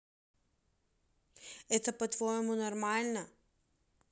это по твоему нормально